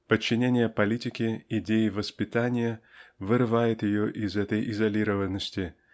Подчинение политики идее воспитания вырывает ее из той изолированности